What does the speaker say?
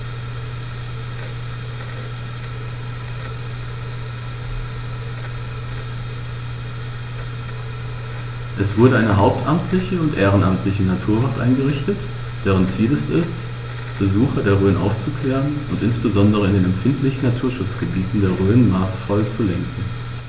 Es wurde eine hauptamtliche und ehrenamtliche Naturwacht eingerichtet, deren Ziel es ist, Besucher der Rhön aufzuklären und insbesondere in den empfindlichen Naturschutzgebieten der Rhön maßvoll zu lenken.